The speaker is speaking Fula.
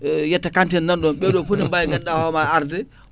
yetta Kante en nanɗon ɓenɗon foof nembawi ganduɗa hoorema arde